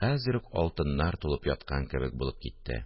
Хәзер үк алтыннар тулып яткан кебек булып китте